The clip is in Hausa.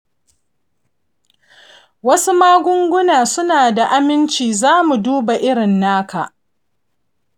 wasu magunguna suna da aminci; za mu duba irin naka.